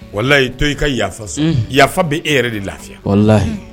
Walahiyi to y' ka yaafa yafafa bɛ e yɛrɛ de lafiyi